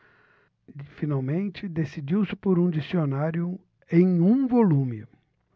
finalmente decidiu-se por um dicionário em um volume